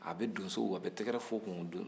a bɛ donso a bɛ tɛgɛrɛ fɔ o kun